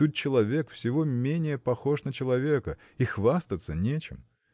тут человек всего менее похож на человека, и хвастаться нечем.